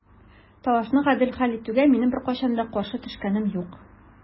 Талашны гадел хәл итүгә минем беркайчан да каршы төшкәнем юк.